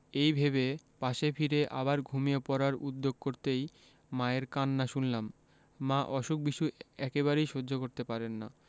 এই ভেবে পাশে ফিরে আবার ঘুমিয়ে পড়ার উদ্যোগ করতেই মায়ের কান্না শুনলাম মা অসুখ বিসুখ একেবারেই সহ্য করতে পারেন না